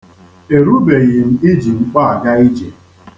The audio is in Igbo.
E rubeghi m iji mkpọ aga ije.